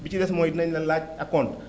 bi ci des mooy nañ la laaj acompte